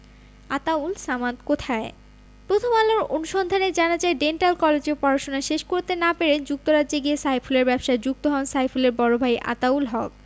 আতাউল সামাদ কোথায় প্রথম আলোর অনুসন্ধানে জানা যায় ডেন্টাল কলেজে পড়াশোনা শেষ করতে না পেরে যুক্তরাজ্যে গিয়ে সাইফুলের ব্যবসায় যুক্ত হন সাইফুলের বড় ভাই আতাউল হক